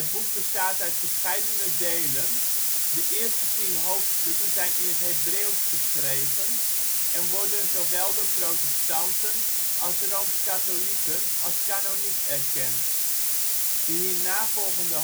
boek bestaat uit verscheidene delen. De eerste tien hoofdstukken zijn in het Hebreeuws geschreven en worden zowel door protestanten als rooms-katholieken als canoniek erkend. De hiernavolgende